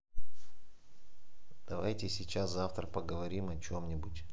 давайте сейчас завтра поговорим о чем нибудь